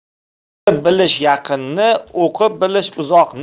ko'rib bilish yaqinni o'qib bilish uzoqni